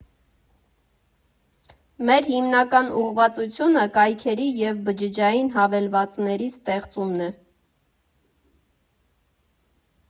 Մեր հիմնական ուղղվածությունը կայքերի և բջջային հավելվածների ստեղծումն է։